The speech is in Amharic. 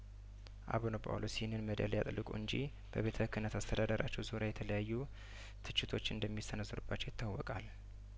አቡነ ጳውሎስ ይህንን ሜዳሊያያጥልቁ እንጂ በቤተ ክህነት አስተዳደራቸው ዙሪያ የተለያዩ ትችቶች እንደሚሰነዘሩባቸው ይታወቃል